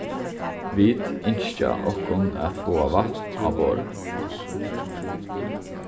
vit ynskja okkum at fáa vatn á borðið